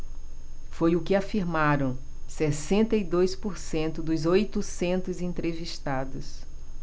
foi o que afirmaram sessenta e dois por cento dos oitocentos entrevistados